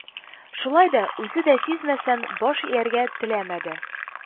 Шулай да, үзе дә сизмәстән, баш ияргә теләмәде